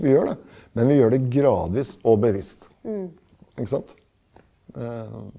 vi gjør det, men vi gjør det gradvis og bevisst ikke sant .